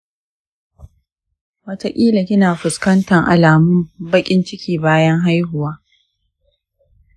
wataƙila kina fuskantar alamun baƙin ciki bayan haihuwa.